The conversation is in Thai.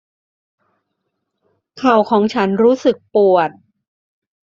เข่าของฉันรู้สึกปวด